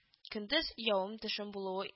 Көндез явым-төшем булуы